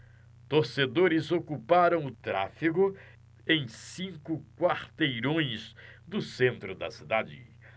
torcedores ocuparam o tráfego em cinco quarteirões do centro da cidade